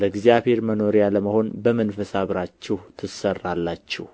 ለእግዚአብሔር መኖሪያ ለመሆን በመንፈስ አብራችሁ ትሠራላችሁ